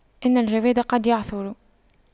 إن الجواد قد يعثر